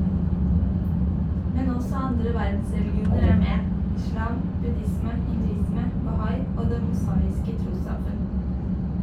Men også andre verdensreligioner er med - islam, buddhisme, hinduisme, bahai og det mosaiske trossamfunn.